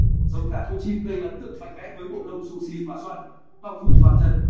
giống gà cochin gây ấn tượng mạnh mẽ với bộ lông xù xì và xoăn bao phủ toàn thân